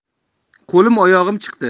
qo'lim oyog'im chiqdi